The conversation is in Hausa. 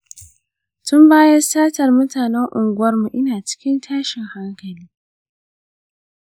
tun bayan satar mutanen unguwarmu ina cikin tashin hankali.